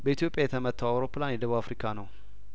በኢትዮጵያ የተመታው አውሮፕላን የደቡብ አፍሪካ ነው